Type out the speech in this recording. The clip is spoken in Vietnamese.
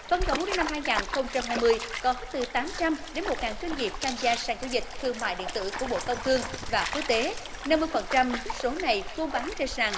phấn đấu đến năm hai ngàn không trăm hai mươi có từ tám trăm đến một ngàn doanh nghiệp tham gia sàn giao dịch thương mại điện tử của bộ công thương và quốc tế năm mươi phần trăm số này luôn bán trên sàn